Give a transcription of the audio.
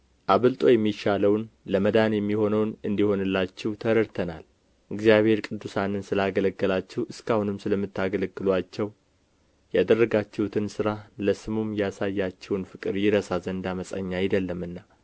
አብልጦ የሚሻለውና ለመዳን የሚሆነው እንዲሆንላችሁ ተረድተናል እግዚአብሔር ቅዱሳንን ስላገለገላችሁ እስከ አሁንም ስለምታገለግሉአቸው ያደረጋችሁትን ሥራ ለስሙም ያሳያችሁትን ፍቅር ይረሳ ዘንድ ዓመፀኛ አይደለምና